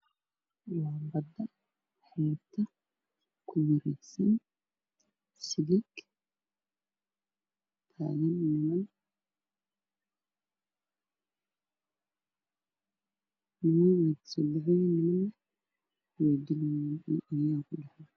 Waa xeeb ama bad waxaa ku yaalla silig ama shabaab waxaa kasoo maxaayo niman qaarna way galayaan